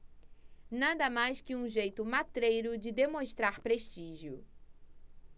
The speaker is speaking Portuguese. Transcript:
nada mais que um jeito matreiro de demonstrar prestígio